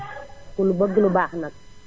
ku lu bëgg lu baax nag